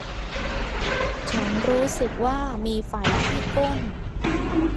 ฉันรู้สึกว่ามีไฝที่ก้น